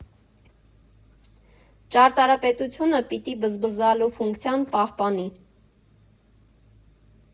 Ճարտարապետությունը պիտի բզբզալու ֆունկցիան պահպանի։